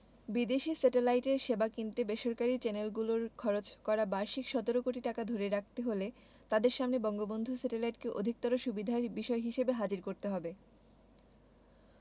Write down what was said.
বিদেশি স্যাটেলাইটের সেবা কিনতে বেসরকারি চ্যানেলগুলোর খরচ করা বার্ষিক ১৭ কোটি টাকা ধরে রাখতে হলে তাদের সামনে বঙ্গবন্ধু স্যাটেলাইটকে অধিকতর সুবিধার বিষয় হিসেবে হাজির করতে হবে